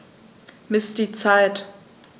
Miss die Zeit.